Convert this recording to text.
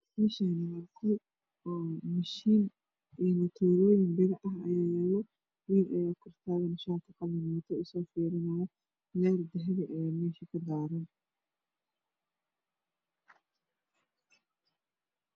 Meshani waa hool oo mashiin iyo matorooyin bir ah ayaa yala wiil ayaa kor tagan shar qalina wato oo isoo firinayo leer dahabi ah ayaa mesha ka daran